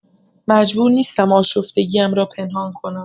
مجبور نیستم آشفتگی‌ام را پنهان کنم.